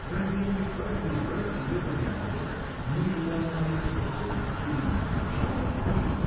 разве я не вправе избрать себе занятие ниже ли оно моих способностей или нет – что нужды?